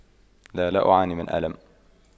لا لا أعاني من ألم